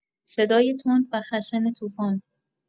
صدای تند و خشن طوفان